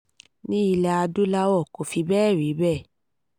Ní ilẹ̀ Adúláwọ̀, kò fí bẹ́ẹ̀ rí bẹ́ẹ̀.